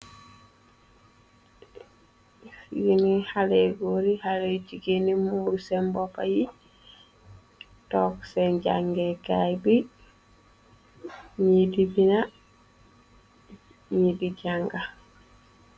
Fini xale goor xale jigéen ni mur sen boppa yi tokg se jange kaay bi ne di binda ni di janga.